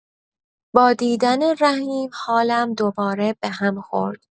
با دیدن رحیم حالم دوباره بهم خورد.